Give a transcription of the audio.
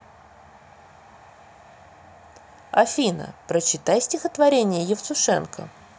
афина прочитай стихотворение евтушенко